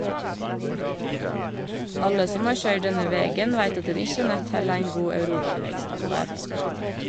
Alle som har køyrd denne vegen veit at den ikkje nett held ein god europavegstandard.